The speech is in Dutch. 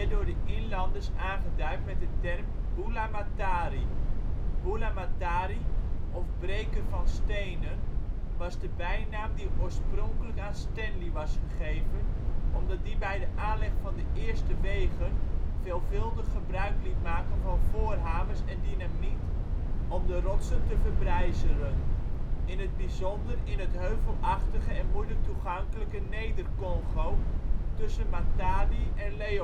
door de inlanders aangeduid met de term " bula matari ". Bula matari, of " breker van stenen ", was de bijnaam die oorspronkelijk aan Stanley was gegeven, omdat die bij de aanleg van de eerste wegen veelvuldig gebruik liet maken van voorhamers en dynamiet om de rotsen te verbrijzelen (in het bijzonder in het heuvelachtige en moeilijk toegankelijke Neder-Congo, tussen Matadi en Leopoldstad